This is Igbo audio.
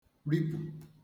ripụ